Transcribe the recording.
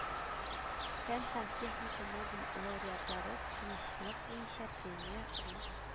Фән һәм техника: Нобель лауреатлары: Тынычлык буенча премия (рус